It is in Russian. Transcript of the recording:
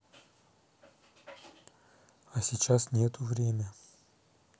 а сейчас нету время